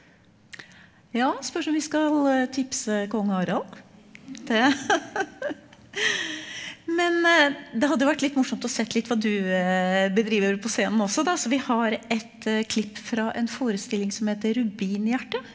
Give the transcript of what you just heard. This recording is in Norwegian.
ja spørs om vi skal tipse Kong Harald, det men det hadde jo vært litt morsomt å sett litt hva du bedriver på scenen også da så vi har ett klipp fra en forestilling som heter Rubinhjertet.